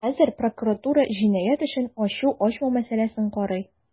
Хәзер прокуратура җинаять эшен ачу-ачмау мәсьәләсен карый.